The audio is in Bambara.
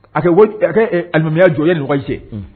Numuya jɔ ye ɲɔgɔn ye cɛ